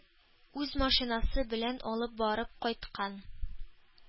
Үз машинасы белән алып барып кайткан.